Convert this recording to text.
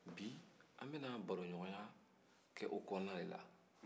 bi an bɛna baroɲɔgɔnya kɛ o kɔnɔna de la